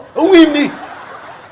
ông im đi